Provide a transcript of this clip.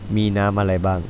มีน้ำอะไรบ้าง